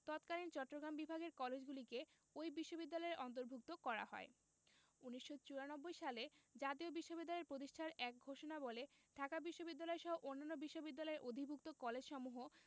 তৎকালীন চট্টগ্রাম বিভাগের কলেজগুলিকে ওই বিশ্ববিদ্যালয়ের অন্তর্ভুক্ত করা হয় ১৯৯৪ সালে জাতীয় বিশ্ববিদ্যালয় প্রতিষ্ঠার এক ঘোষণাবলে ঢাকা বিশ্ববিদ্যালয়সহ অন্যান্য বিশ্ববিদ্যালয়ের অধিভুক্ত কলেজসমূহ